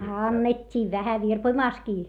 annettiin vähän virpomassakin